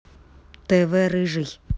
тв рыжий